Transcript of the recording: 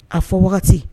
A fɔ wagati